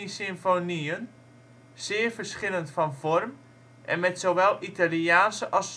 symfonieën, zeer verschillend van vorm en met zowel Italiaanse als